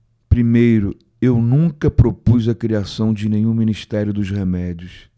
primeiro eu nunca propus a criação de nenhum ministério dos remédios